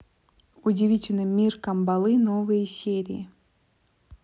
удивительный мир камбалы новые серии